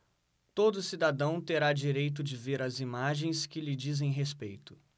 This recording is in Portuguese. todo cidadão terá direito de ver as imagens que lhe dizem respeito